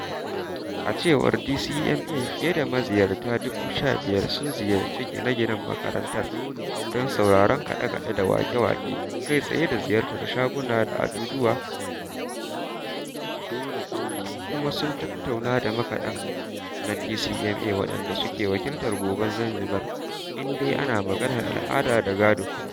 A cewar DCMA, fiye da maziyarta 15,000 sun ziyarci gine-ginen makarantar don sauraron kaɗe-kaɗe da waƙe-waƙe kai tsaye da ziyartar shaguna da ajujuwa kuma sun tattauna da makaɗan na DCMA waɗanda suke wakiltar goben Zanzibar in dai ana maganar al'ada da gado.